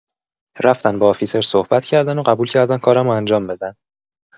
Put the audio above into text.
رفتن با آفیسر صحبت کردن و قبول‌کردن کارمو انجام بدن.